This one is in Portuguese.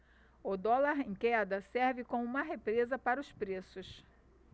o dólar em queda serve como uma represa para os preços